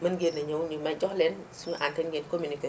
mën ngeen a ñëw ñu jox leen suñu antenne ngeen communiqué